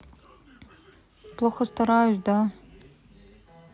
плохо стараюсь да